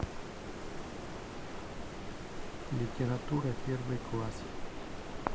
литература первый класс